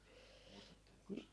muistattekos